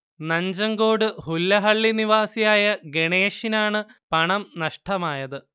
നഞ്ചൻകോട് ഹുല്ലഹള്ളി നിവാസിയായ ഗണേഷിനാണ് പണം നഷ്ടമായത്